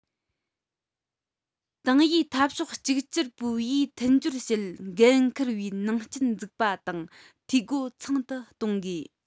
ཏང ཨུའི འཐབ ཕྱོགས གཅིག གྱུར པུའུ ཡིས མཐུན སྦྱོར བྱེད འགན འཁུར བའི ནང རྐྱེན འཛུགས པ དང འཐུས སྒོ ཚང དུ གཏོང དགོས